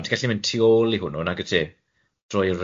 ond ti'n gallu mynd tu ôl i hwnnw nagwyt ti, drwy